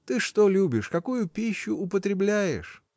— Ты что любишь: какую пищу употребляешь?